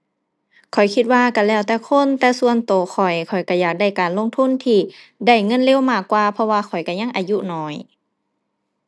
ข้อยคิดว่าก็แล้วแต่คนแต่ส่วนก็ข้อยข้อยก็อยากได้การลงทุนที่ได้เงินเร็วมากกว่า เพราะว่าข้อยก็ยังอายุน้อย